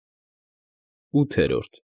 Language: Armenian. ՈՒԹԵՐՈՐԴ։